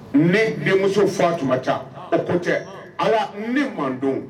Ne denmuso fa tun ma ca o ko tɛ ala ne manden